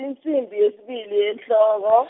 insimbi yesibili yenhloko.